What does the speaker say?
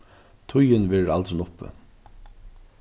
tíðin verður aldrin uppi